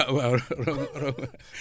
ah waaw ro